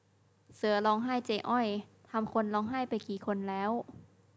เสือร้องไห้เจ๊อ้อยทำคนร้องไห้ไปกี่คนแล้ว